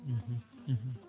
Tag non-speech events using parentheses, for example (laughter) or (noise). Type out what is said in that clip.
(hesitation) (hesitation) (hesitation) (hesitation)